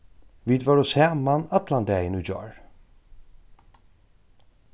vit vóru saman allan dagin í gjár